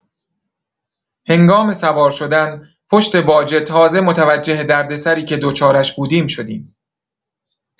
هنگام سوار شدن، پشت باجه تازه متوجه دردسری که دچارش بودیم شدیم.